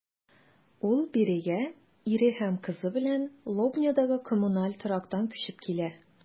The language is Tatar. Ул бирегә ире һәм кызы белән Лобнядагы коммуналь торактан күчеп килә.